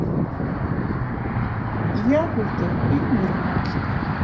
яблоко и умерла